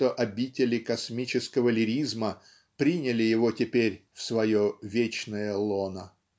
что обители космического лиризма приняли его теперь в свое вечное лоно.